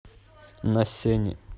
на сене